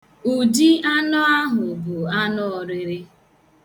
Ụdị anụ ahụ bụ anụ ọrịrị.